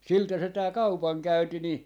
siltä se tämä kaupankäynti niin